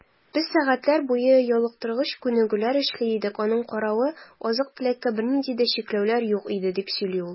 Без сәгатьләр буе ялыктыргыч күнегүләр эшли идек, аның каравы, азык-төлеккә бернинди дә чикләүләр юк иде, - дип сөйли ул.